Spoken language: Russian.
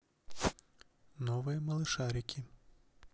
новые малышарики